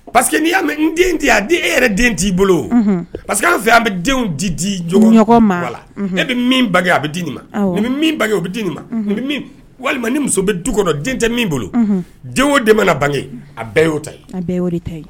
Parceseke n'i'a mɛ n den t' a di e yɛrɛ den t' i bolo paseke k'a fɛ an bɛ denw di di jo la e bɛ min a bɛ di nin ma bɛ o bɛ di nin ma walima ni muso bɛ du kɔnɔ den tɛ min bolo den o dɛmɛɛna bange a bɛɛ y'o ta ye a ta